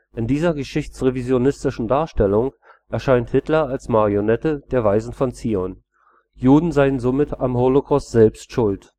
In dieser geschichtsrevisionistischen Darstellung erscheint Hitler als Marionette der „ Weisen von Zion “. Juden seien somit am Holocaust selbst schuld